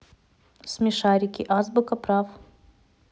смешарики азбука прав